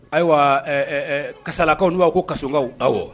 Ayiwa karisasalakaw n b'a ko kasokaw aw